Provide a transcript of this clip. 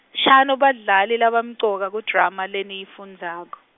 shano badlali labamcoka kudrama leniyifundzako.